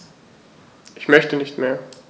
Ich möchte nicht mehr.